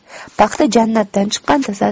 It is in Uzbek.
paxta jannatdan chiqqan tasadduq